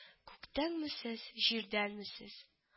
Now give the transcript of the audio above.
Күктәнме сез, җирдәнме сез